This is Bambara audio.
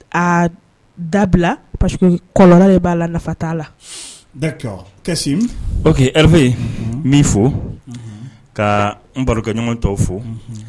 A dabila parce que kɔlɔlɔ de ba la, nafa ta la. d'accord Kasim , on Herve n bi fo ka n barokɛɲɔgɔn tɔw fo